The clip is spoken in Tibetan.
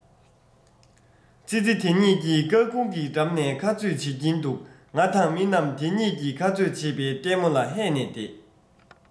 ཙི ཙི དེ གཉིས ཀྱིས སྐར ཁུང གི འགྲམ ནས ཁ རྩོད བྱེད ཀྱིན འདུག ང དང མི རྣམས དེ གཉིས ཀྱིས ཁ རྩོད བྱེད པའི ལྟད མོ ལ ཧད ནས བསྡད